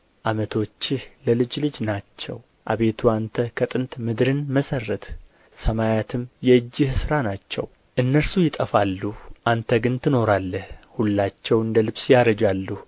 ዓመቶችህ ለልጅ ልጅ ናቸው አቤቱ አንተ ከጥንት ምድርን መሠረትህ ሰማያትም የእጅህ ሥራ ናቸው እነርሱ ይጠፋሉ አንተ ግን ትኖራለህ ሁላቸው እንደ ልብስ ያረጃሉ